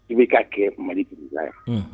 IBK kɛɛ Mali buguba yan unhun